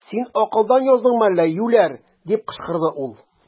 Син акылдан яздыңмы әллә, юләр! - дип кычкырды ул.